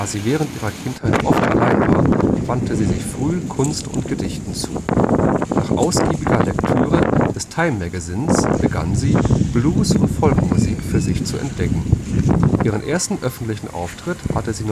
sie während ihrer Kindheit oft allein war, wandte sie sich früh Kunst und Gedichten zu. Nach ausgiebiger Lektüre des Time Magazine begann sie, Blues - und Folk-Musik für sich zu entdecken. Ihren ersten öffentlichen Auftritt hatte sie